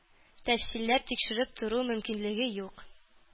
Тәфсилләп тикшереп тору мөмкинлеге юк